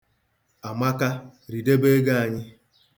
Amaka, ridebe ego anyị.